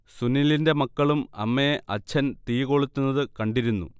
സുനിലിന്റെ മക്കളും അമ്മയെ അഛ്ഛൻ തീ കൊളുത്തുന്നത് കണ്ടിരുന്നു